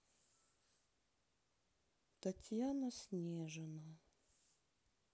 татьяна снежина